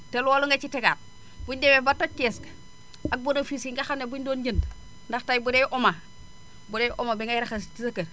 te loolu nga ciy tegaat buñu demee ba toj kees ga ak bénéfice yi nga xam ne buénu doon jënd ndax tey budee oma budee omo bi ngay raxas ci sa kër